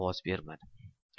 ovoz bermadi